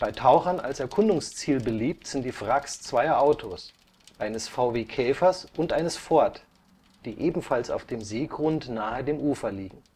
Tauchern als Erkundungsziel beliebt sind die Wracks zweier Autos, eines VW Käfers und eines Ford, die ebenfalls auf dem Seegrund nahe dem Ufer liegen